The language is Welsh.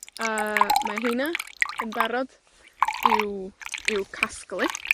A mae 'heina yn barod i'w,. i'w casglu.